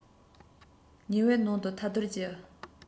ཉི འོད ནང དུ ཐལ རྡུལ གྱི